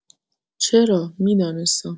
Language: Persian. چرا، می‌دانستم.